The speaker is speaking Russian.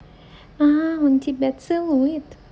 а он тебя целует